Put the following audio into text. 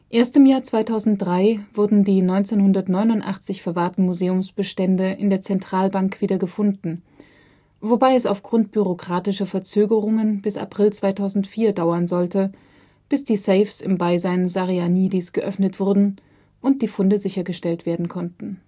Erst im Jahr 2003 wurden die 1989 verwahrten Museumsbestände in der Zentralbank wieder gefunden, wobei es aufgrund bürokratischer Verzögerungen bis April 2004 dauern sollte, bis die Safes im Beisein Sarianidis geöffnet werden und die Funde sichergestellt werden konnten